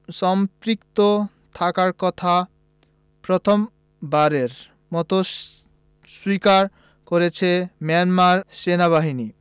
সম্পৃক্ত থাকার কথা প্রথমবারের মতো স্বীকার করেছে মিয়ানমার সেনাবাহিনী